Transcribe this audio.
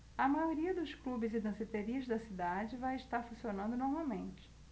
a maioria dos clubes e danceterias da cidade vai estar funcionando normalmente